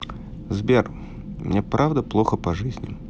сбер мне правда плохо по жизни